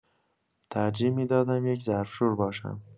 ترجیح می‌دادم یک ظرف‌شور باشم.